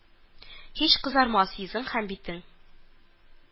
Һич кызармас йөзең һәм битең